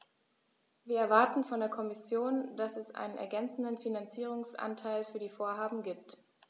Wir erwarten von der Kommission, dass es einen ergänzenden Finanzierungsanteil für die Vorhaben gibt.